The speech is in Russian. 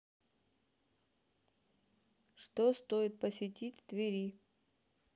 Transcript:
что стоит посетить в твери